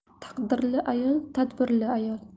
taqdirli ayol tadbirli ayol